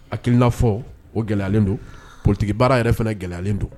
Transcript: Akil n'a fɔ o gɛlɛyalen don ptigi baara yɛrɛ fana gɛlɛyalen don